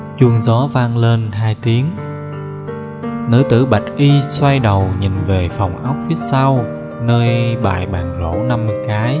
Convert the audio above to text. chuông gió vang lên hai tiếng nữ tử bạch y xoay đầu nhìn về phòng ốc phía sau nơi bày bàn gỗ cái